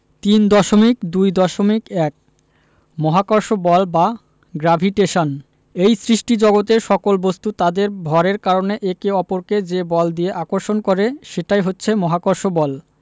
৩.২.১ মহাকর্ষ বল বা গ্রাভিটেশন এই সৃষ্টিজগতের সকল বস্তু তাদের ভরের কারণে একে অপরকে যে বল দিয়ে আকর্ষণ করে সেটাই হচ্ছে মহাকর্ষ বল